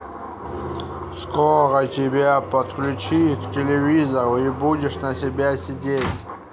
скоро тебя подключи к телевизору и будешь на себя сидеть